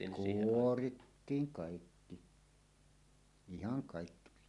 kuorittiin kaikki ihan kaikki piti